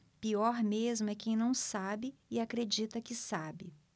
pior mesmo é quem não sabe e acredita que sabe